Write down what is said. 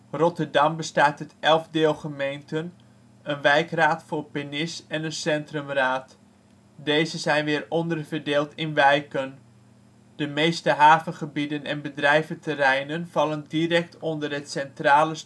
Rotterdam bestaat uit 11 deelgemeentes, een wijkraad (voor Pernis) en een centrumraad. Deze zijn weer onderverdeeld in wijken. De meeste havengebieden en bedrijventerreinen vallen direct onder het centrale